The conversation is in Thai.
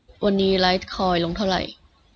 วันนี้ไลท์คอยน์ลงเท่าไหร่